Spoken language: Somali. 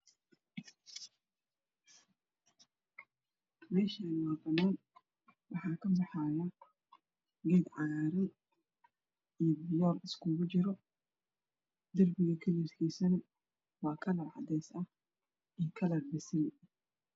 Meeshaani waa banaan waxa ka baxaayo geed cagaaran iyo viyool iskugu jiro darbiga kalarkiisana waa kalar cadays ah kalar basali